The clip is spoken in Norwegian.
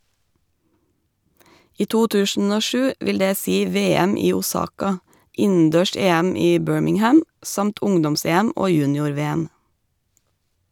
I 2007 vil det si VM i Osaka, innendørs-EM i Birmingham, samt ungdoms-EM og junior-VM.